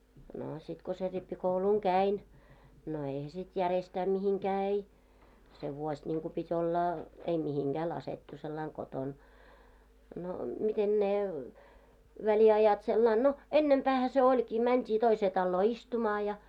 no sitten kun sen rippikoulun kävin no eihän sitten järjestään mihinkään ei se vuosi niin kuin piti olla ei mihinkään laskettu sillä lailla kotona no miten ne väliajat sillä lailla no ennempäähän se olikin mentiin toiseen taloon istumaan ja